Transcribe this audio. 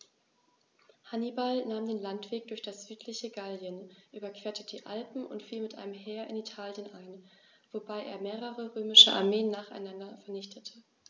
Hannibal nahm den Landweg durch das südliche Gallien, überquerte die Alpen und fiel mit einem Heer in Italien ein, wobei er mehrere römische Armeen nacheinander vernichtete.